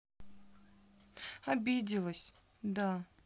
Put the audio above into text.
обиделась да